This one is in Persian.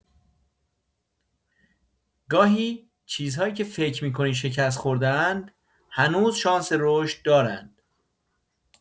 گاهی چیزهایی که فکر می‌کنی شکست خورده‌اند، هنوز شانس رشد دارند.